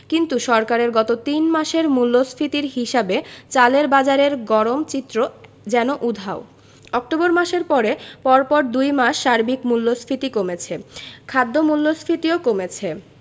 কিন্তু সরকারের গত তিন মাসের মূল্যস্ফীতির হিসাবে চালের বাজারের গরম চিত্র যেন উধাও অক্টোবর মাসের পরে পরপর দুই মাস সার্বিক মূল্যস্ফীতি কমেছে খাদ্য মূল্যস্ফীতিও কমেছে